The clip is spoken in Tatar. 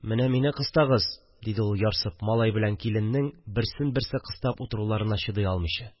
– менә мине кыстагыз, – диде ул ярсып, малай белән киленнең берсен-берсе кыстап утыруларына чыдый алмыйча